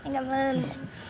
em cám ơn